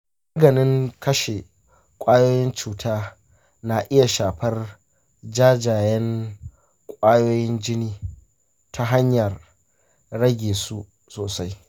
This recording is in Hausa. maganin kashe kwayoyin cuta na iya shafar jajayen kwayoyin jini ta hanyar rage su sosai.